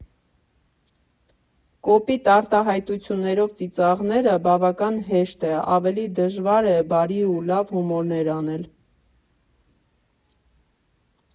Կոպիտ արտահայտություններով ծիծաղեցնելը բավական հեշտ է, ավելի դժվար է բարի ու լավ հումորներ անել։